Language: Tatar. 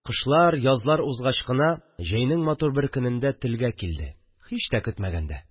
Кышлар, язлар узгач кына җәйнең матур бер көнендә телгә килде, һич тә көтмәгәндә